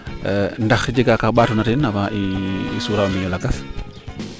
ndax jega kaa mbatoona teen avant i suura mbiño lakas